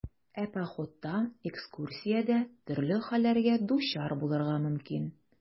Ә походта, экскурсиядә төрле хәлләргә дучар булырга мөмкин.